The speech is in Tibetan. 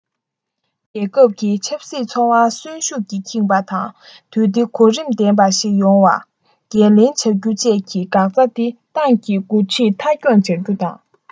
རྒྱལ ཁབ ཀྱི ཆབ སྲིད འཚོ བ གསོན ཤུགས ཀྱིས ཁེངས པ དང དུས བདེ གོ རིམ ལྡན པ ཞིག ཡོང བའི འགན ལེན བྱ རྒྱུ བཅས ཀྱི འགག རྩ དེ ཏང གི འགོ ཁྲིད མཐའ འཁྱོངས བྱ རྒྱུ དང